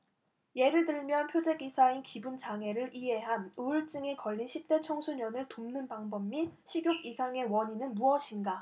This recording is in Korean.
예를 들면 표제 기사인 기분 장애를 이해함 우울증에 걸린 십대 청소년을 돕는 방법 및 식욕 이상의 원인은 무엇인가